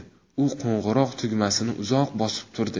u qo'ng'iroq tugmasini uzoq bosib turdi